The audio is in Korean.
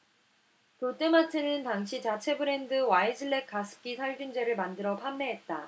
롯데마트는 당시 자체 브랜드 와이즐렉 가습기 살균제를 만들어 판매했다